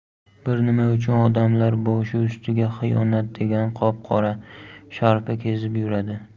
bir nima uchun odamlar boshi ustida xiyonat degan qop qora sharpa kezib yuradi